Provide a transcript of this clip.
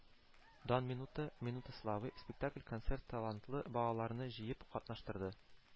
“дан минуты” (“минута славы”) спектакль-концерт талантлы балаларны җыеп катнаштырды